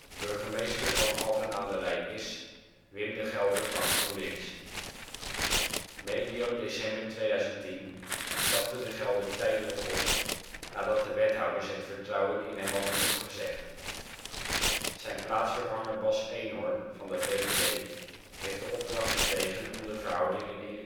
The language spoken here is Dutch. Burgemeester van Alphen aan den Rijn is: Wim de Gelder (GL). Medio december 2010 stapte De Gelder tijdelijk op nadat de wethouders het vertrouwen in hem hadden opgezegd. Zijn plaatsvervanger Bas Eenhoorn (VVD) heeft de opdracht gekregen om de verhoudingen in